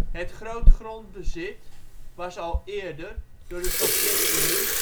Het grootgrondbezit was al eerder, door de Sovjet-Unie